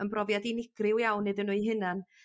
yn brofiad unigryw iawn iddyn nhw eu hunan.